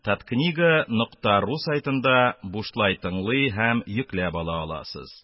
Таткнига ру сайтында бушлай тыңлый һәм йөкләп ала аласыз